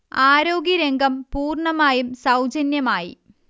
ആരോഗ്യരംഗം പൂർണ്ണമായും സൗജന്യമായി